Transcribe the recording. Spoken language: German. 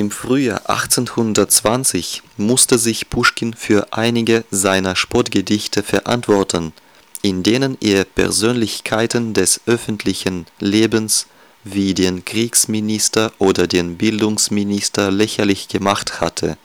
Frühjahr 1820 musste sich Puschkin für einige seiner Spottgedichte verantworten, in denen er Persönlichkeiten des öffentlichen Lebens wie den Kriegsminister oder den Bildungsminister lächerlich gemacht hatte